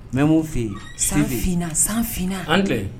N bɛ mun f'i ye san fina san fina. An ni kile